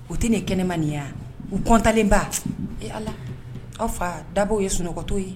O tɛ nin kɛnɛ man nin yan kɔntalenba ee ala aw fa dabɔ ye sunɔgɔtɔ ye